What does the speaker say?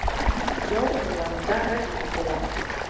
Яу кырларында радист була.